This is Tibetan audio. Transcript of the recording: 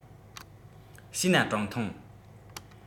བྱས ན གྲངས ཐང